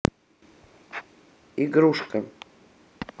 иришка